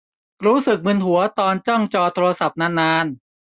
รู้สึกมึนหัวตอนจ้องจอโทรศัพท์นานนาน